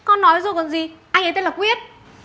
con nói rồi còn gì anh ý tên là quyết